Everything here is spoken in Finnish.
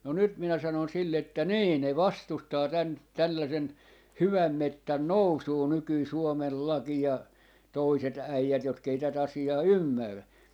no nyt minä sanoin sille että niin ne vastustaa tämän tällaisen hyvän metsän nousua nykyinen Suomen laki ja toiset äijät jotka ei tätä asiaa ymmärrä